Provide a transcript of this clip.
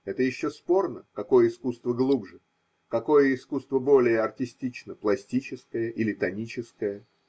Это еще спорно, какое искусство глубже, какое искусство более артистично – пластическое или тоническое.